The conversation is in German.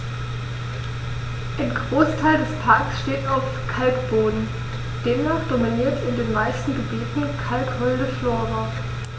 Ein Großteil des Parks steht auf Kalkboden, demnach dominiert in den meisten Gebieten kalkholde Flora.